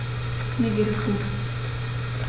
Mir geht es gut.